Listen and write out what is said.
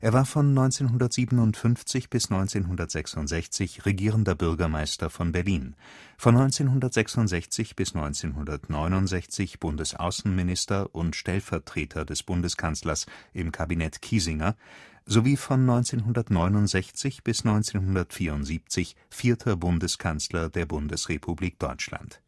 war von 1957 bis 1966 Regierender Bürgermeister von Berlin, von 1966 bis 1969 Bundesaußenminister und Stellvertreter des Bundeskanzlers im Kabinett Kiesinger sowie von 1969 bis 1974 vierter Bundeskanzler der Bundesrepublik Deutschland